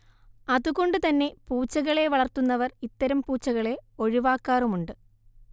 അതുകൊണ്ട് തന്നെ പൂച്ചകളെ വളർത്തുന്നവർ ഇത്തരം പൂച്ചകളെ ഒഴിവാക്കാറുമുണ്ട്